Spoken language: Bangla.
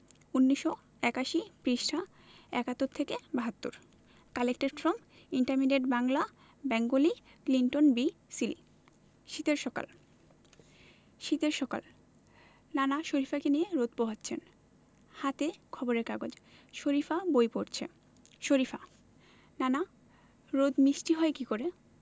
১৯৮১ পৃষ্ঠাঃ ৭১ থেকে ৭২ collected from intermediate Bangla Bengali Clinton B Seely শীতের সকাল শীতের সকাল নানা শরিফাকে নিয়ে রোদ পোহাচ্ছেন হাতে খবরের কাগজ শরিফা বই পড়ছে শরিফা নানা রোদ মিষ্টি হয় কী করে